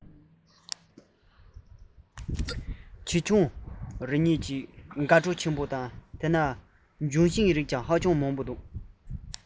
བྱེའུ ཆུང རེ གཉིས སྤྲོ བས བརྟས ལྗོན ཤིང གི རིགས ཀྱང ཧ ཅང མང